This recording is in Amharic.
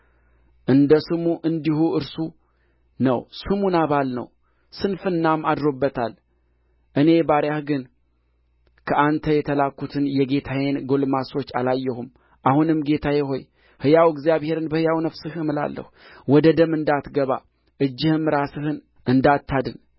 እንደ ስሙ እንዲሁ እርሱ ነው ስሙ ናባል ነው ስንፍናም አድሮበታል እኔ ባሪያህ ግን ከአንተ የተላኩትን የጌታዬን ጕልማሶች አላየሁም አሁንም ጌታዬ ሆይ ሕያው እግዚአብሔርን በሕያው ነፍስህም እምላለሁ ወደ ደም እንዳትገባ እጅህም ራስህን እንዳታድን